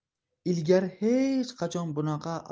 ilgari hech qachon bunaqa